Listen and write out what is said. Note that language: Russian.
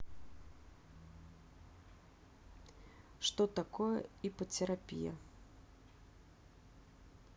что такое иппотерапия